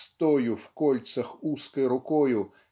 с тою в кольцах узкою рукой